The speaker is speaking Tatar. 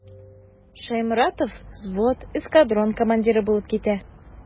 Шәйморатов взвод, эскадрон командиры булып китә.